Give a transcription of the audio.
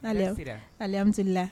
Alamula